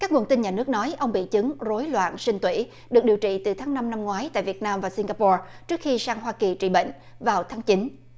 các nguồn tin nhà nước nói ông bị chứng rối loạn sinh tủy được điều trị từ tháng năm năm ngoái tại việt nam và sinh ga po trước khi sang hoa kỳ trị bệnh vào tháng chín